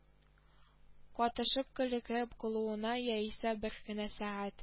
Катышып көлкегә калуына яисә бер генә сәгать